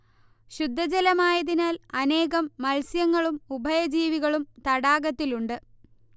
ശുദ്ധജലമായതിനാൽ അനേകം മത്സ്യങ്ങളും ഉഭയ ജീവികളും തടാകത്തിലുണ്ട്